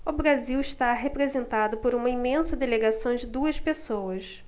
o brasil está representado por uma imensa delegação de duas pessoas